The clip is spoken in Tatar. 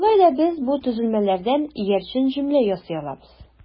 Шулай да без бу төзелмәләрдән иярчен җөмлә ясый алабыз.